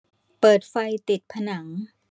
เปิดไฟติดผนัง